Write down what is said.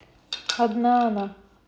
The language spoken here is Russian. одна она